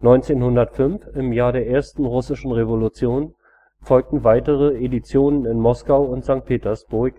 1905, im Jahr der ersten Russischen Revolution, folgten weitere Editionen in Moskau und in Sankt Petersburg,